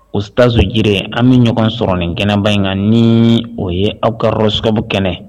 O tasonji an bɛ ɲɔgɔn sɔrɔ nin kɛnɛba in kan ni o ye aw kayɔrɔso kɛnɛ